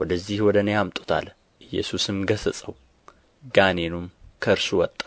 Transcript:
ወደዚህ ወደ እኔ አምጡት አለ ኢየሱስም ገሠጸው ጋኔኑም ከእርሱ ወጣ